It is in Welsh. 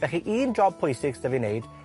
felly, un job pwysig s'da fi wneud